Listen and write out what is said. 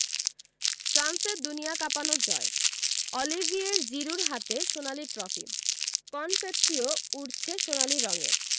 ফ্রান্সের দুনিয়া কাঁপানো জয় অলিভিয়ের জিরুর হাতে সোনালি ট্রফি কনফেত্তিও উড়ছে সোনালি রঙের